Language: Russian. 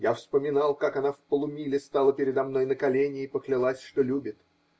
Я вспоминал, как она в "Полумиле" стала передо мной на колени и поклялась, что любит.